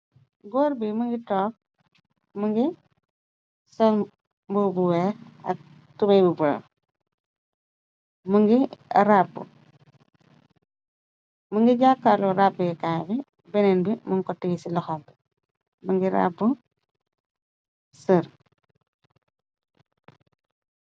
Gorre bii mungy tok, mungy sol mbubu bu wekh ak tubeiyy bu bleu, mungy raabu, mungy jakarlor raabeh kaii bii, benenn bii munkoh tiyeh cii lokhor bii, mungy raabu sehrrre.